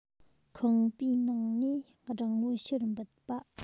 ཁང པའི ནང ནས སྦྲང བུ ཕྱིར འབུད པ